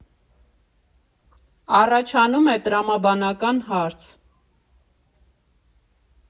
Առաջանում է տրամաբանական հարց.